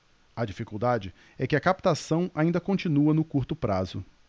a dificuldade é que a captação ainda continua no curto prazo